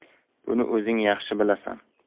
buni o'zing yaxshi bilasan